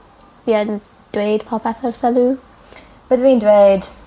fi yn dweud popeth wrtha n'w. Bydde fi'n dweud